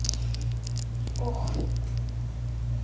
ох